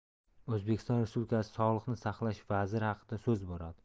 o'zbekiston respublikasi sog'liqni saqlash vaziri haqida so'z boradi